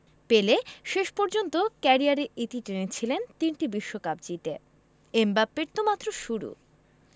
পেলে শেষ পর্যন্ত ক্যারিয়ারের ইতি টেনেছিলেন তিনটি বিশ্বকাপ জিতে এমবাপ্পের তো মাত্র শুরু